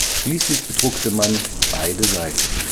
Schließlich bedruckte man beide Seiten